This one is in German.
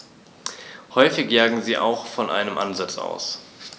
Häufig jagen sie auch von einem Ansitz aus.